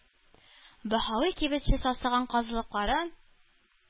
Баһави кибетче сасыган казылыкларын